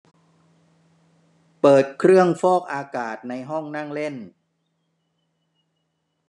เปิดเครื่องฟอกอากาศในห้องนั่งเล่น